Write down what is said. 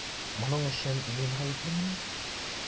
Моның өчен мин гаеплемени?